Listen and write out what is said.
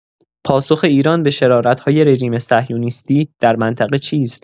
پاسخ ایران به شرارت‌های رژیم صهیونیستی در منطقه چیست؟